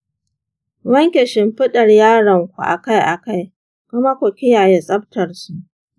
wanke shimfiɗar yaronku a kai a kai kuma ku kiyaye tsaftarsu.